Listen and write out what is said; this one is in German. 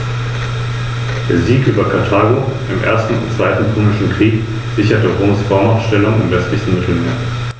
Grundfarbe des Gefieders ist ein einheitliches dunkles Braun.